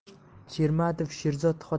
shermatov sherzod hotamovich